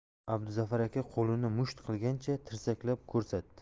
abduzafar aka qo'lini musht qilgancha tirsaklab ko'rsatdi